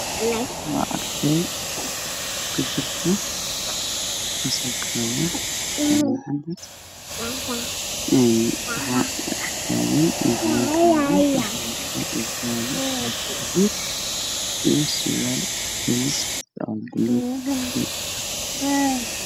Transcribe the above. Waa meel waxaa fadhiya wiilal dhalinyaro ah oo imtixaanka ku garaayo